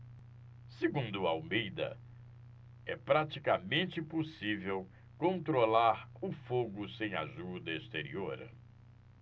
segundo almeida é praticamente impossível controlar o fogo sem ajuda exterior